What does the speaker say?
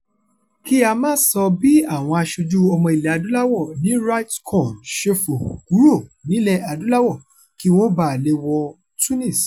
Kí a máà sọ bí àwọn aṣojú ọmọ ilẹ̀ adúláwọ̀ ní RightsCon ṣe fò kúrò nílẹ̀-adúláwọ̀ kí wọn ó ba lè wọ Tunis.